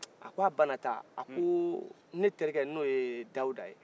a k'a bɛ n'a ta a ko ne terikɛ n'o ye dawuda ye